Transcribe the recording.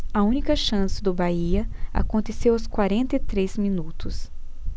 a única chance do bahia aconteceu aos quarenta e três minutos